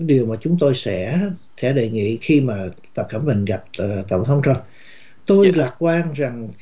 điều mà chúng tôi sẽ sẽ đề nghị khi mà tập cận bình gặp gỡ tổng thống trăm tôi lạc quan rằng